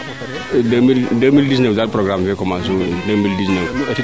2019 daal programme fee commencer u 2019